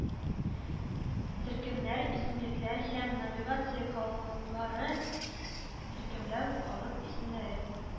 Төркемнәр, исемлекләр, һәм навигация каллыплары Төркемләү Калып исемнәре